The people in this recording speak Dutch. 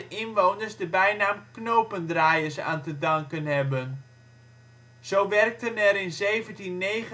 inwoners de bijnaam “knopendraaiers” aan te danken hebben. Zo werkten er in 1749